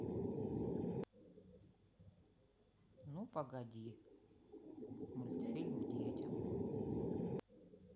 ну погоди мультфильм детям